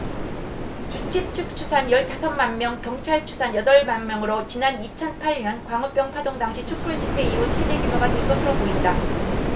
주최측 추산 열 다섯 만명 경찰 추산 여덟 만명으로 지난 이천 팔 년 광우병 파동 당시 촛불집회 이후 최대 규모가 될 것으로 보인다